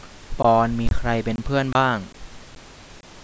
ปอนด์มีใครเป็นเพื่อนบ้าง